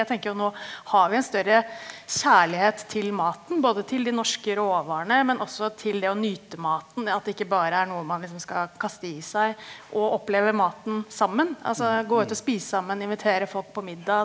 jeg tenker jo nå har vi en større kjærlighet til maten, både til de norske råvarene men også til det å nyte maten det at det ikke bare er noe man liksom skal kaste i seg og oppleve maten sammen, altså gå ut og spise sammen, invitere folk på middag.